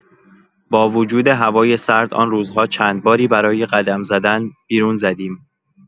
با وجود هوای سرد آن روزها چند باری برای قدم زدن بیرون زدیم.